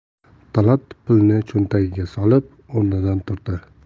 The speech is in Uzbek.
talat pulni cho'ntagiga solib o'rnidan turdi